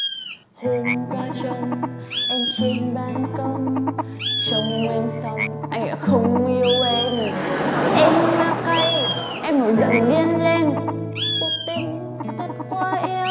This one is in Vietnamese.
hôm qua trông em trên ban công trông em xong anh lại không yêu em em a cay em nổi giận điên lên cuộc tình thật quá éo le